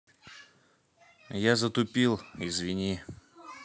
я затупил извини